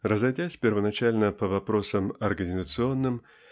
Разойдясь первоначально по вопросам организационным